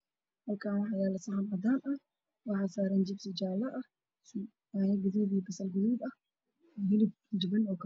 Waa saxan waxaa ii muuqda oo ku jiro jibsi iyo barando oo jaalla ah